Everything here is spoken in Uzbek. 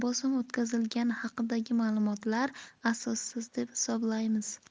bosim o'tkazilgani haqidagi ma'lumotlar asossiz deb hisoblaymiz